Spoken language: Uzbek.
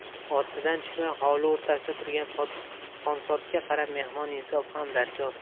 otdan tushmay hovli o'rtasida turgan ponsodga qarab mehmon insof ham darkor